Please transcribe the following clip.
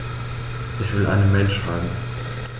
Ich will eine Mail schreiben.